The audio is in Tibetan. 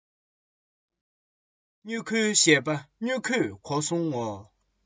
སྨྱུ གུའི བཤད པ སྨྱུ གུས གོ སོང ངོ